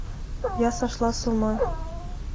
я сошла с ума